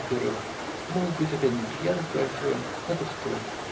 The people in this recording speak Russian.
во-первых, могут быть опять неприятности, как сегодня, но это в сторону.